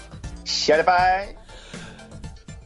Shwmai?